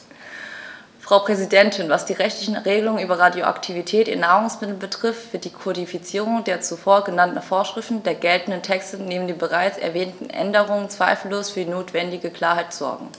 Frau Präsidentin, was die rechtlichen Regelungen über Radioaktivität in Nahrungsmitteln betrifft, wird die Kodifizierung der zuvor genannten Vorschriften der geltenden Texte neben den bereits erwähnten Änderungen zweifellos für die notwendige Klarheit sorgen.